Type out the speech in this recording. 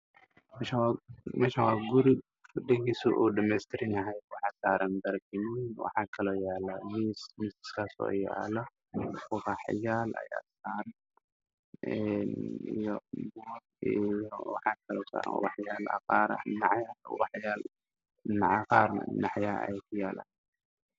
Meeshaan waa qol waxaa yaal fadhiidkiisu yahay madow daah madow ayaa ku dhagan darbiga